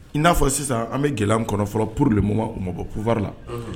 I n'a fɔ sisan an bɛ gɛlɛya min kɔnɔ fɔlɔ pour le moent o ma bɔ pouvoir la